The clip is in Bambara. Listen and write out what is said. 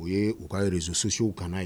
U ye u k kaa zsusiww kana ye